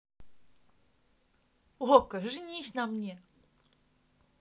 okko женись на мне